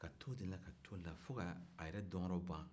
ka t'o de la ka t'o la fo k'a yɛrɛ don yɔrɔ ban